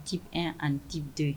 Tɛ an tɛ dɔn